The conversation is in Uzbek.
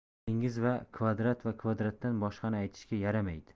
tilingiz a kvadrat b kvadratdan boshqani aytishga yaramaydi